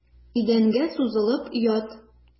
Идәнгә сузылып ят.